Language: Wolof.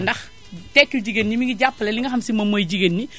ndax tekkil jigéen ni mu ngi jàppale li nga xam ne si moom mooy jigéen ñi